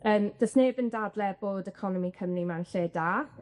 Yym do's neb yn dadle bod economi Cymru mewn lle da.